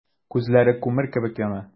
Күзләре күмер кебек яна.